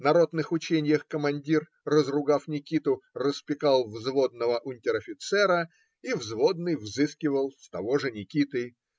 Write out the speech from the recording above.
На ротных ученьях командир, разругав Никиту, распекал взводного унтер-офицера, а взводный взыскивал с того же Никиты.